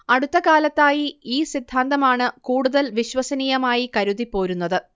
അടുത്ത കാലത്തായി ഈ സിദ്ധാന്തമാണ് കൂടുതൽ വിശ്വസനീയമായി കരുതിപ്പോരുന്നത്